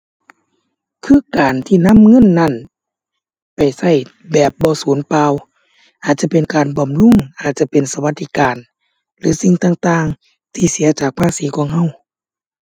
คือการที่นำเงินนั่น ไปใช้แบบบ่สูญเปล่า อาจจะเป็นการบำรุง อาจจะเป็นสวัสดิการ หรือสิ่งต่างต่าง ที่เสียจากภาษีของใช้